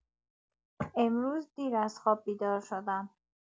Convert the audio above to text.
امروز دیر از خواب بیدار شدم.